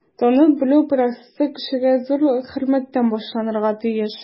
Танып-белү процессы кешегә зур хөрмәттән башланырга тиеш.